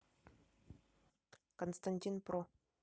константин про